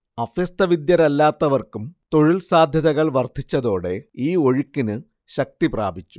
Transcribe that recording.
അഭ്യസ്തവിദ്യരല്ലാത്തവർക്കും തൊഴിൽ സാധ്യതകൾ വർദ്ധിച്ചതോടെ ഈ ഒഴുക്കിന് ശക്തി പ്രാപിച്ചു